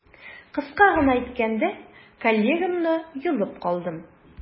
Кыска гына әйткәндә, коллегамны йолып калдым.